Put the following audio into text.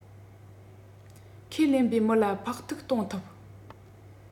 ཁས ལེན པའི མི ལ ཕོག ཐུག གཏོང ཐུབ